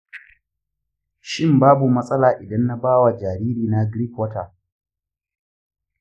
shin babu matsala idan na ba wa jaririna gripe water?